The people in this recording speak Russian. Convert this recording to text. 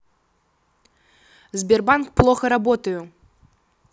сбербанк плохо работаю